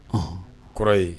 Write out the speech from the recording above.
O kɔrɔ ye